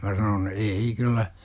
minä sanoin ei kyllä